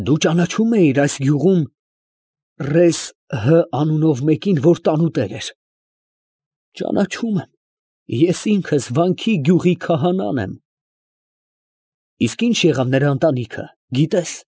Դու ճանաչո՞ւմ էիր այս գյուղում ռես Հ… անունով մեկին, որ տանուտեր էր։ ֊ Ճանաչում եմ. ես ինքս Վանքի գյուղի քահանան եմ։ ֊ Գիտե՞ս ինչ եղավ նրա ընտանիքը։ ֊